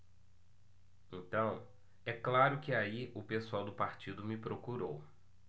então é claro que aí o pessoal do partido me procurou